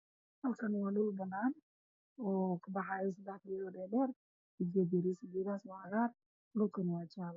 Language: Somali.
Halkaan waa dhul banaan waxaa kabaxaayo seddex fiyoore oo dhaadheer iyo geedo yaryar oo cagaar ah.